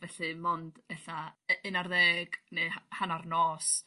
felly 'mond ella u- un ar ddeg ne' h- hannar nos